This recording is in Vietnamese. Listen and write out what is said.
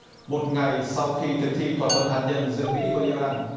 một ngày sau khi thực thi thỏa thuận hạt nhân giữa mỹ với i ran